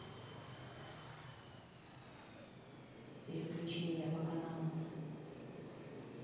переключение по каналам